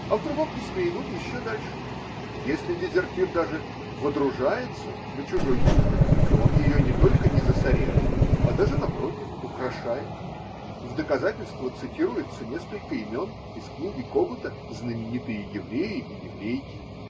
А в другом письме идут еще дальше: если дезертир даже водружается на чужой ниве, то он ее не только не засоряет, а даже напротив – украшает: в доказательство цити руется несколько имен из книги Когута Знаменитые евреи и еврейки.